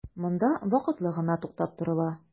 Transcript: Монда вакытлы гына туктап торыла.